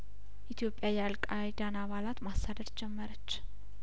ኢትዮጵያ የአልቃይዳን አባላት ማሳደድ ጀመረች